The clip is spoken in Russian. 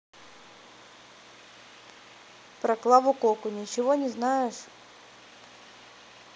про клаву коку ничего не знаешь